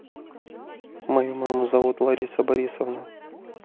мою маму зовут лариса борисовна